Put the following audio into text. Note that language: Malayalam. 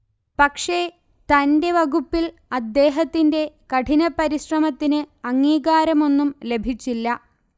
പക്ഷെ തന്റെ വകുപ്പിൽ അദ്ദേഹത്തിന്റെ കഠിനപരിശ്രമത്തിന് അംഗീകാരമൊന്നും ലഭിച്ചില്ല